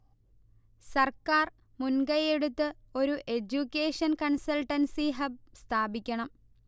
സർക്കാർ മുൻകൈയെടുത്ത് ഒരു എഡ്യൂക്കേഷൻ കൺസൾട്ടൻസി ഹബ് സ്ഥാപിക്കണം